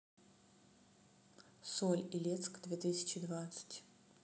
соль илецк две тысячи двадцать